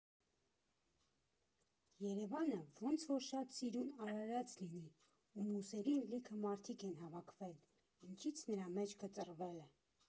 Երևանը ոնց որ շատ սիրուն արարած լինի, ում ուսերին լիքը մարդիկ են հավաքվել, ինչից նրա մեջքը ծռվել է.